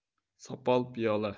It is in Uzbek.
sopol piyola